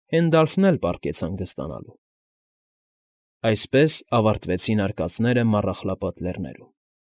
Հենդալֆն էլ պառկեց հանգստանալու։ Այսպես ավարտվեցին արկածները Մառախլապատ Լեռներում։